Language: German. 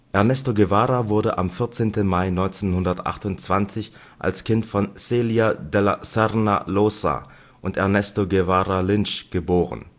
Ernesto Guevara wurde am 14. Mai 1928 als Kind von Celia de la Serna Llosa und Ernesto Guevara Lynch geboren